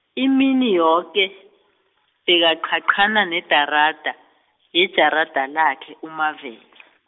imini yoke, bekaqhaqhana nedarada, yejarada lakhe uMavela.